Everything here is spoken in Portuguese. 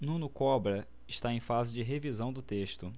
nuno cobra está em fase de revisão do texto